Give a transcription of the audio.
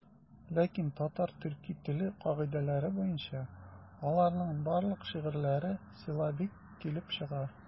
Ләкин татар-төрки теле кагыйдәләре буенча аларның барлык шигырьләре силлабик килеп чыга.